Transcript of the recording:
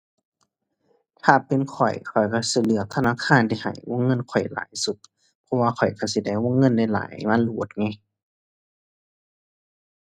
ถ้าเป็นข้อย ข้อยก็สิเลือกธนาคารที่ให้วงเงินข้อยหลายสุด เพราะว่าข้อยก็สิได้วงเงินหลายหลายมารูดไง